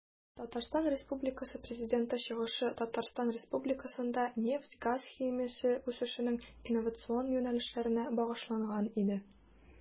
ТР Президенты чыгышы Татарстан Республикасында нефть-газ химиясе үсешенең инновацион юнәлешләренә багышланган иде.